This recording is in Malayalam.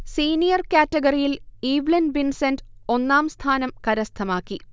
സീനിയർ കാറ്റഗറിയിൽ ഈവ്ലിൻ വിൻസെന്റ് ഒന്നാം സ്ഥാനം കരസ്ഥമാക്കി